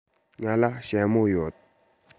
ང ལ ཞྭ མོ ཡོད